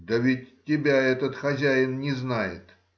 — Да ведь тебя этот хозяин не знает.